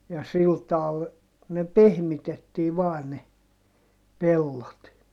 ja sillä tavalla ne pehmitettiin vain ne pellot